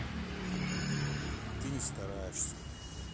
ты не стараешься